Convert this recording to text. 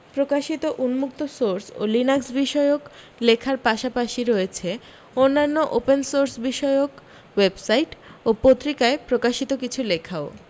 প্রকাশিত উন্মুক্ত সোর্স ও লিনাক্স বিষয়ক লেখার পাশাপাশি রয়েছে অন্যান্য ওপেন সোর্স বিষয়ক ওয়েব সাইট ও পত্রিকায় প্রকাশিত কিছু লেখাও